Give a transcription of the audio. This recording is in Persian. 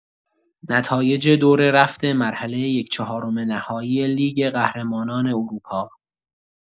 نتایج دور رفت مرحله یک‌چهارم نهایی لیگ قهرمانان اروپا